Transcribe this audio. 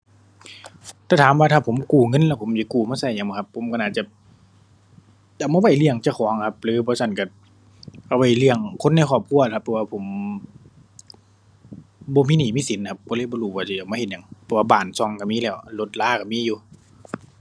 ถ้าถามว่าถ้าผมกู้เงินแล้วผมสิกู้มาใช้หยังบ่ครับ ผมใช้น่าจะเอามาไว้เลี้ยงเจ้าของอะครับหรือบ่ซั้นใช้เอาไว้เลี้ยงคนในครอบครัวล่ะครับ เพราะว่าผมบ่มีหนี้ มีสินครับ ใช้เลยบ่รู้ว่าสิเอามาเฮ็ดหยัง เพราะว่าบ้านใช้ใช้มีแล้ว รถราใช้มีอยู่